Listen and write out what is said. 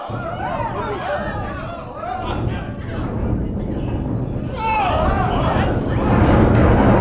когда выйдет фильм убить билла три